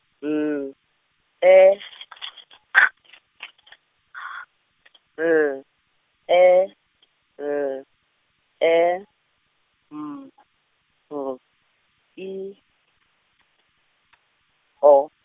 N, E, K, H, L, E, L, E, M , B, I, O.